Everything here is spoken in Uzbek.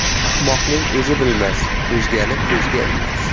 ahmoqning o'zi bilmas o'zgani ko'zga ilmas